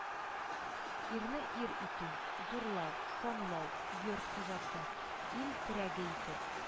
Ирне ир итү, зурлау, санлау, йорт хуҗасы, ил терәге итеп